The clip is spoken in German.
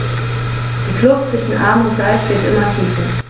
Die Kluft zwischen Arm und Reich wird immer tiefer.